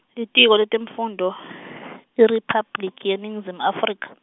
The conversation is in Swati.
Litiko letemfundvo, IRiphabliki yeNingizimu Afrika.